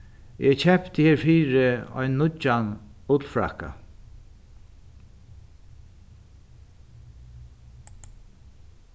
eg keypti herfyri ein nýggjan ullfrakka